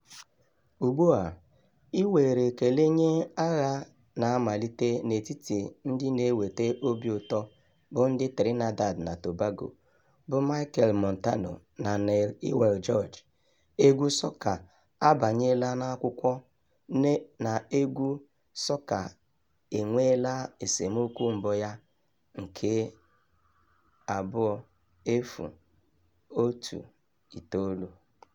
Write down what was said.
Ugbu a, iwere ekele nye agha na-amalite n'etiti ndị na-ewete obi ụtọ bụ ndị Trinidad na Tobago bụ Machel Montano na Neil "Iwer" George, egwu sọka abanyeela n'akwụkwọ na egwu sọka enweela esemokwu mbụ ya nke 2019.